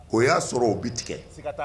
O y'a sɔrɔ o bi tigɛ